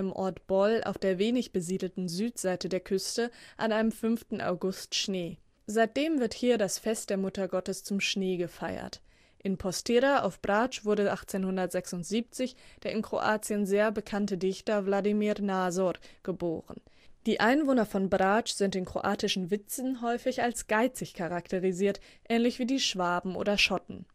Ort Bol auf der wenig besiedelten Südseite der Küste an einem 5. August Schnee. Seitdem wird hier das Fest der Muttergottes zum Schnee gefeiert. In Postira auf Brač wurde 1876 der in Kroatien sehr bekannte Dichter Vladimir Nazor geboren. Die Einwohner von Brač sind in kroatischen Witzen häufig als geizig charakterisiert, ähnlich wie die Schwaben oder Schotten